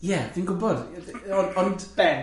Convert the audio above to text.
Ie, fi'n gwbod, on- ond Ben!